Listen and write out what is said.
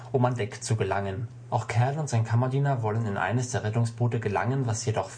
um an Deck zu gelangen. Auch Cal und sein Kammerdiener wollen in eines der Rettungsboote gelangen, was jedoch